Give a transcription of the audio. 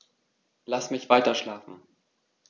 Lass mich weiterschlafen.